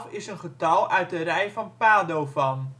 is een getal uit de rij van Padovan